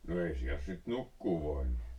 no ei siellä sitten nukkua voinut